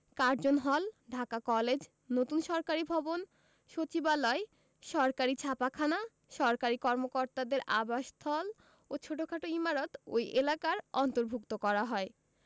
Curzon hall Dhaka college নতুন সরকারি ভবন সচিবালয় সরকারি ছাপাখানা সরকারি কর্মকর্তাদের আবাসস্থল ও ছোটখাট ইমারত ওই এলাকার অন্তর্ভুক্ত করা হয়